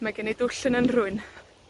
Mae gen i dwll yn 'yn nhrwyn.